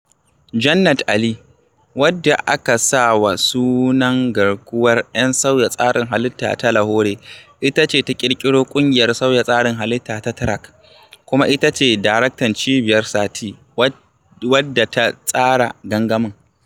Jannat Ali, wadda aka sa wa sunan garkuwar 'yan sauya tsarin halitta ta Lahore, ita ce ta ƙirƙiro ƙungiyar sauya tsarin halitta ta Track kuma ita ce Daraktan Cibiyar Sathi wadda ta tsara gangamin.